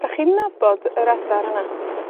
'Dach chi'n nabod yr adar yna?